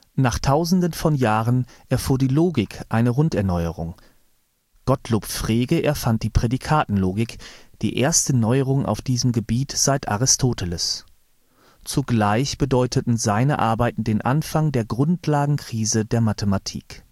Nach Tausenden von Jahren erfuhr die Logik eine Runderneuerung. Gottlob Frege erfand die Prädikatenlogik, die erste Neuerung auf diesem Gebiet seit Aristoteles. Zugleich bedeuteten seine Arbeiten den Anfang der Grundlagenkrise der Mathematik